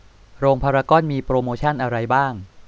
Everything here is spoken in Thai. โรงพารากอนมีโปรโมชันอะไรบ้าง